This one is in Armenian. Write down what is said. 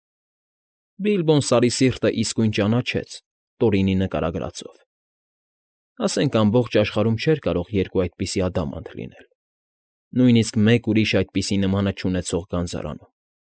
Բիլբոն Սարի Սիրտը իսկույն ճանաչեց Տորինի նկարագրածով, ասենք ամբողջ աշխարհում չէր կարող երկու այդպիսի ադամանդ լինել, նույնիսկ մեկ ուրիշ այդպիսի նմանը չունեցող գանձարանում։